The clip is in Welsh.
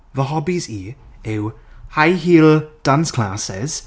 Fy hobbies i yw high heel dance classes...